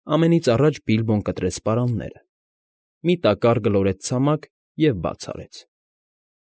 Ամենից առաջ Բիլբոն կտրեց պարանները, մի տակառ գլորեց ցամաք և բաց արեց։